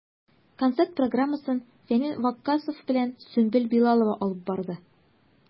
Концерт программасын Фәнил Ваккасов белән Сөмбел Билалова алып барды.